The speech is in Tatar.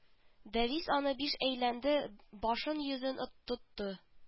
Дәвис аны биш әйләнде башын-йөзен тотты